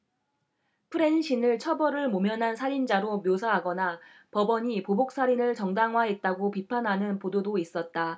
프랜신을 처벌을 모면한 살인자로 묘사하거나 법원이 보복살인을 정당화했다고 비판하는 보도도 있었다